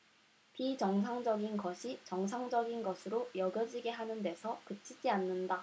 비정상적인 것이 정상적인 것으로 여겨지게 하는 데서 그치지 않는다